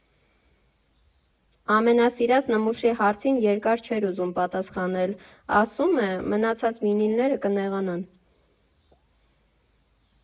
Ամենասիրած նմուշի հարցին երկար չէր ուզում պատասխանել, ասում է՝ մնացած վինիլները կնեղանան։